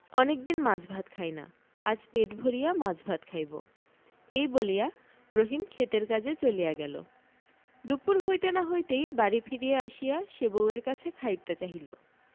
অনেকদিন মাছ ভাত খাই না আজ পেট ভরিয়া মাছ ভাত খাইব এই বলিয়া রহিম ক্ষেতের কাজে চলিয়া গেল দুপুর হইতে না হইতেই বাড়ি ফিরিয়া আসিয়া সে বউ এর কাছে খাইতে চাহিল